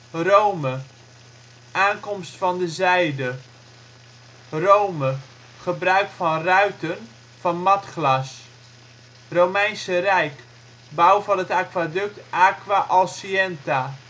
Rome: Aankomst van de zijde. Rome: Gebruik van ruiten van matglas. Romeinse Rijk: Bouw van het aquaduct Aqua Alsienta